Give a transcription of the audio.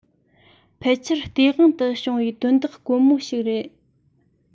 ཕལ ཆེར སྟེས དབང དུ བྱུང བའི དོན དག དཀོན མོ ཞིག རེད